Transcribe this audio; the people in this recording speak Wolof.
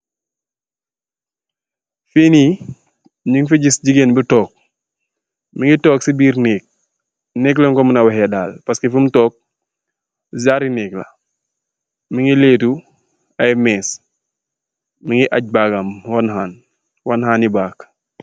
Fii nii, ñung fi gis jigéen bu toog. Mu ngi toog si biir nëëk, nëëk lañg ko muna wacee daal, Paski fum toog, saari neek la. Mu ngi lëëtu méés, mu ngi weeko, wan haan baage.